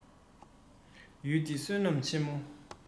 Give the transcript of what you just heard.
ཡུལ འདི བསོད ནམས ཆེན མོ